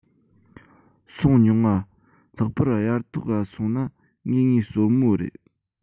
སོང མྱོང ང ལྷག པ དབྱར ཐོག ག སོང ན ངེས ངེས བསོད མོ རེད